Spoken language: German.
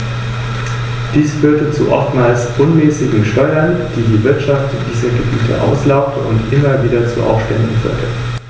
Der Bauch, das Gesicht und die Gliedmaßen sind bei den Stacheligeln mit Fell bedeckt.